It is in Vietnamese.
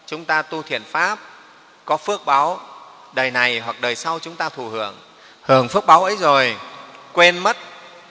chúng ta tu thiện pháp có phước báu đời này hoặc đời sau chúng ta thụ hưởng hưởng phước báu ấy rồi quên mất